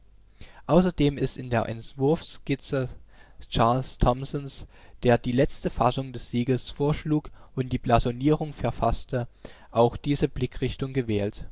Außerdem ist in der Entwurfsskizze Charles Thomsons, der die letzte Fassung des Siegels vorschlug und die Blasonierung verfasste, auch diese Blickrichtung gewählt